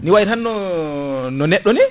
ni way tan no neɗɗo ni